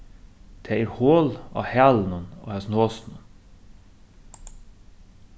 tað er hol á hælunum á hasum hosunum